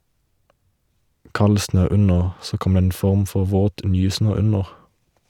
Kald snø under , så kom det en form for våt nysnø under.